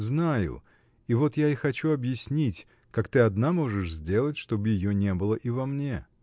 — Знаю — и вот я и хочу объяснить, как ты одна можешь сделать, чтоб ее не было и во мне!